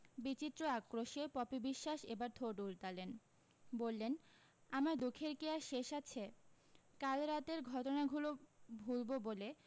বিচিত্র আক্রোশে পপি বিশ্বাস এবার ঠোঁট উল্টালেন বললেন আমার দুখের কী আর শেষ আছে কাল রাতের ঘটনাঘুলো ভুলবো বলে